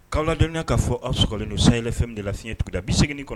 K'aw ladɔnya k'a fɔ aw skalenw saylɛ fɛn minda lafiɲɛ tuguda bin segin kɔnɔ